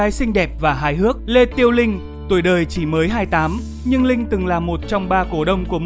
gái xinh đẹp và hài hước lê tiêu linh tuổi đời chỉ mới hai tám nhưng linh từng là một trong ba cổ đông của